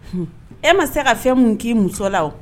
E ma se ka fɛn mun k'i muso la